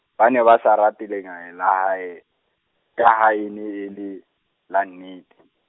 ba ne ba sa rate lengae la hae, ka ha e ne e le, la nnete.